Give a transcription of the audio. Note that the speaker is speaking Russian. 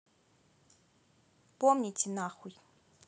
помните нахуй